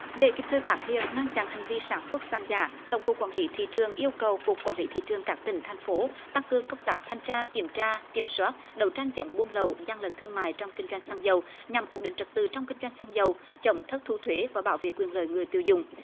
để kịp thời phát hiện ngăn chặn hành vi sản xuất xăng giả tổng cục quản lý thị trường yêu cầu cục quản lý thị trường các tỉnh thành phố tăng cường công tác thanh tra kiểm tra kiểm soát đấu tranh chống buôn lậu gian lận thương mại trong kinh doanh xăng dầu nhằm ổn định trật tự trong kinh doanh xăng dầu chống thất thu thuế và bảo vệ quyền lợi người tiêu dùng